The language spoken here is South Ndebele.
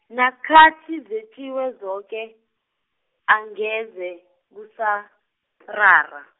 nakathi zetjiwe zoke, angeze, kusarara.